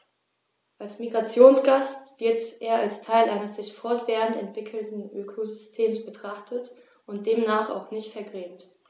Als Migrationsgast wird er als Teil eines sich fortwährend entwickelnden Ökosystems betrachtet und demnach auch nicht vergrämt.